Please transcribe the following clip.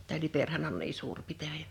tämä Liperihän on niin suuri pitäjä